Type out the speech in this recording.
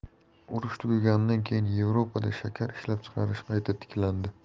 urush tugaganidan keyin yevropada shakar ishlab chiqarish qayta tiklandi